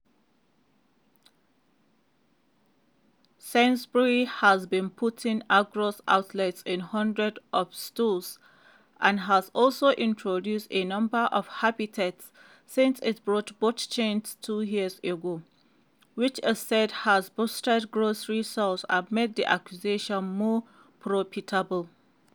Sainsbury's has been putting Argos outlets in hundreds of stores and has also introduced a number of Habitats since it bought both chains two years ago, which it says has bolstered grocery sales and made the acquisitions more profitable.